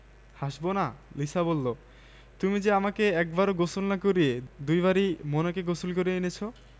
চট্টগ্রাম অর্থনীতি সমিতির দ্বিতীয় বার্ষিক সম্মেলনের অভ্যর্থনা পরিষদের সভাপতি হিসেবে আমি আপনাদের স্বাগত জানাবার সুযোগ পেয়ে অত্যন্ত গর্বিত বোধ করছি আমি আশা করি এ সম্মেলনে